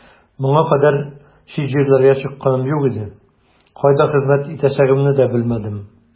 Моңа кадәр чит җирләргә чыкканым юк иде, кайда хезмәт итәчәгемне дә белмәдем.